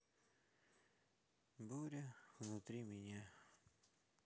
буря внутри меня